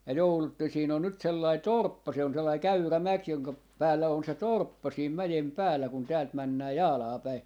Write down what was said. ja joudutte siinä on nyt sellainen torppa se on sellainen käyrä mäki jonka päällä on se torppa siinä mäen päällä kun täältä mennään Jaalaan päin